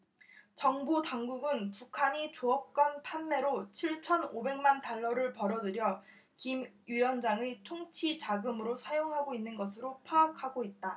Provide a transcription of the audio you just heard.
정보당국은 북한이 조업권 판매로 칠천 오백 만 달러를 벌어들여 김 위원장의 통치자금으로 사용하고 있는 것으로 파악하고 있다